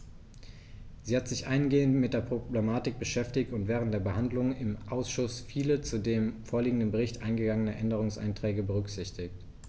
Sie hat sich eingehend mit der Problematik beschäftigt und während der Behandlung im Ausschuss viele zu dem vorliegenden Bericht eingegangene Änderungsanträge berücksichtigt.